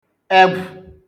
egfụ̀